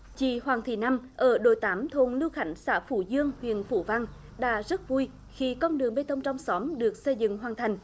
chị hoàng thị năm ở đội tám thôn lưu khánh xã phú dương huyện phú vang đã rất vui khi con đường bê tông trong xóm được xây dựng hoàn thành